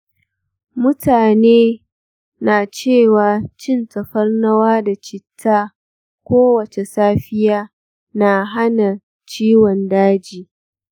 mutane na cewa cin tafarnuwa da citta kowace safiya na hana ciwon daji.